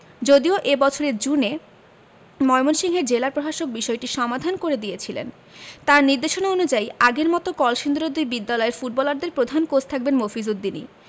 যদিও এ বছরের জুনে ময়মনসিংহের জেলা প্রশাসক বিষয়টির সমাধান করে দিয়েছিলেন তাঁর নির্দেশনা অনুযায়ী আগের মতো কলসিন্দুরের দুই বিদ্যালয়ের ফুটবলারদের প্রধান কোচ থাকবেন মফিজ উদ্দিনই